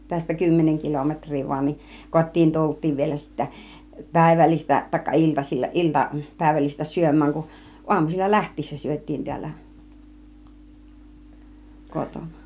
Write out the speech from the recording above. tästä kymmenen kilometriä vain niin kotiin tultiin vielä sitten päivällistä tai iltasilla ilta päivällistä syömään kun aamusilla lähtiessä syötiin täällä kotona